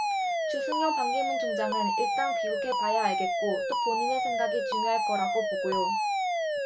주승용 반기문 총장은 일단 귀국해 봐야 알겠고 또 본인의 생각이 중요할 거라고 보고요